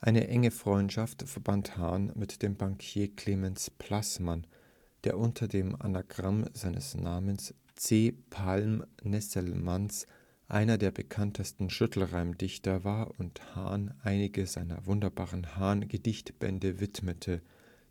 Eine enge Freundschaft verband Hahn mit dem Bankier Clemens Plassmann, der unter dem Anagramm seines Namens C. Palm-Nesselmanns einer der bekanntesten Schüttelreim-Dichter war und Hahn einige seiner wunderbaren (Hahn -) Gedichtbände widmete, so